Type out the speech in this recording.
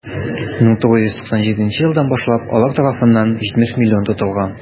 1997 елдан башлап алар тарафыннан 70 млн тотылган.